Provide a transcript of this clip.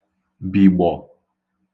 bìgbọ̀